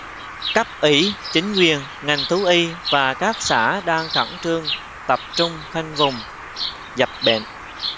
cấp ủy chính quyền ngành thú y và các xã đang khẩn trương tập trung khoanh vùng dập bệnh